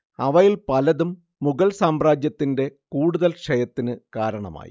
അവയിൽ പലതും മുഗൾ സാമ്രാജ്യത്തിന്റെ കൂടുതൽ ക്ഷയത്തിനു കാരണമായി